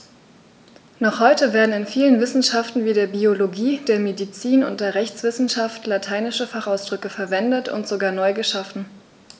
Noch heute werden in vielen Wissenschaften wie der Biologie, der Medizin und der Rechtswissenschaft lateinische Fachausdrücke verwendet und sogar neu geschaffen.